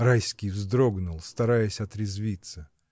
Райский вздрогнул, стараясь отрезвиться.